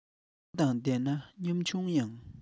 བློ དང ལྡན ན ཉམ ཆུང ཡང